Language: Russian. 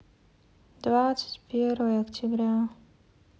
двадцать первое октября